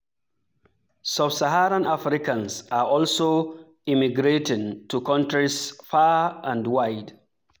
Sub-Saharan Africans are also emigrating to countries far and wide.